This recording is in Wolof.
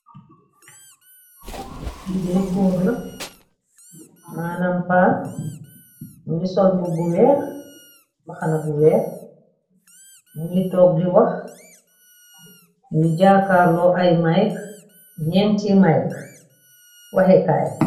Kii dae gorre la, maanam paa, mungy sol mbubu bu wekh, mbahanah bu wekh, mungy tok dii wakh, mungy jaakarlor aiiy mic, njenti mic, wakheh kaii.